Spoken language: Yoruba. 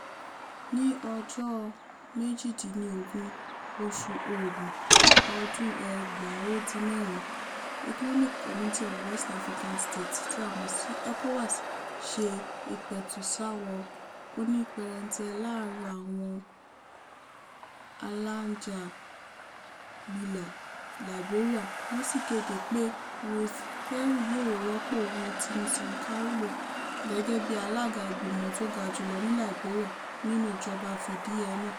Ní ọjọ́ 18, oṣù Ògún, ọdún 1996, Economic Community of West African States (ECOWAS) ṣe ìpẹ̀tùsáwọ̀ onípérénte láàárìn àwọn alájàngbilà Liberia, wọ́n sì kéde pé Ruth Perry yóò rọ́pò Wilton Sankawulo gẹ́gẹ́ bi alága Ìgbìmọ̀ tó ga jùlọ ní Liberia nínú ìjọba fìdíẹẹ́ náà.